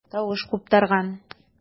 Тавыш куптарган.